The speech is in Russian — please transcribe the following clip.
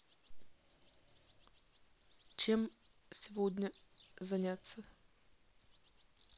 чем сегодня заняться